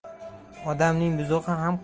odamning buzug'i ham